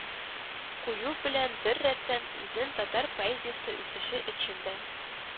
Кую белән беррәттән, үзен татар поэзиясе үсеше өчен дә